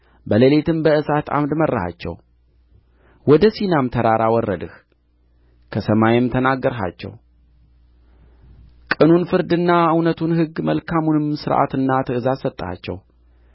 በሌሊትም በእሳት ዓምድ መራሃቸው ወደ ሲናም ተራራ ወረድህ ከሰማይም ተናገርሃቸው ቅኑን ፍርድና እውነቱን ሕግ መልካሙንም ሥርዓትና ትእዛዝ ሰጠሃቸው